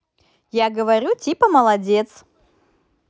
я говорю типа молодец